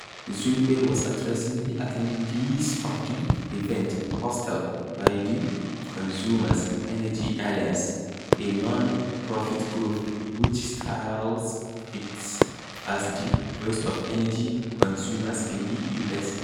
Zinke was addressing the attendees of the event hosted by the Consumer Energy Alliance, a non-profit group which styles itself as the "voice of the energy consumer" in the US.